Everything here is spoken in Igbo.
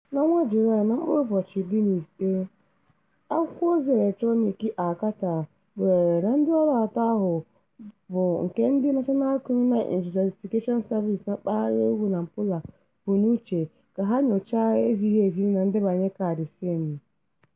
Na Julaị 15, akwụkwọozi eletrọnịkị A Carta kpughere na ndịọrụ atọ ahụ bụ nke ndị National Criminal Investigation Service na mpaghara ugwu Nampula bu n'uche ka ha nyochaa ezighị ezi na ndebanye kaadị SIM.